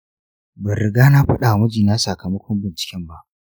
ban riga na faɗawa mijina sakamakon binciken ba.